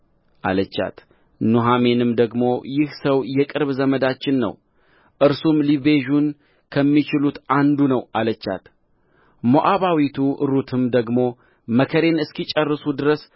አለቻት ኑኃሚንም ደግሞ ይህ ሰው የቅርብ ዘመዳችን ነው እርሱም ሊቤዡን ከሚችሉት አንዱ ነው አለቻት ሞዓባዊቱ ሩትም ደግሞ መከሬን እስኪጨርሱ ድረስ